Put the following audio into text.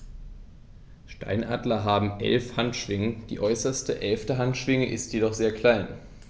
Steinadler haben 11 Handschwingen, die äußerste (11.) Handschwinge ist jedoch sehr klein.